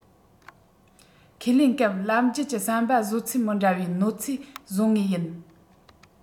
ཁས ལེན སྐབས ལམ རྒྱུད ཀྱི ཟམ པ བཟོས ཚད མི འདྲ བའི གནོད འཚེ བཟོ ངེས ཡིན